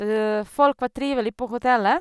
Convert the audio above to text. Folk var trivelig på hotellet.